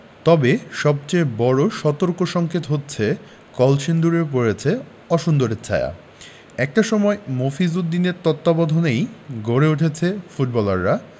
তবে সবচেয়ে বড় সতর্কসংকেত হচ্ছে কলসিন্দুরেও পড়েছে অসুন্দরের ছায়া একটা সময় মফিজ উদ্দিনের তত্ত্বাবধানেই গড়ে উঠেছে ফুটবলাররা